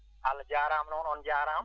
Allah jaaraama noon on jaaraama